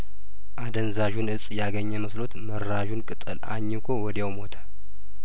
አደንዛዡን እጽ ያገኘ መስሎት መራዡን ቅጠል አኝኮ ወዲያው ሞተ